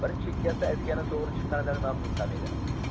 bir chekkasi aytgani to'g'ri chiqqanidan mamnun ham edi